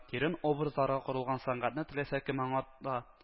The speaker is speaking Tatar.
Тирен образларга корылган сәнгатьне теләсә кем аңлап та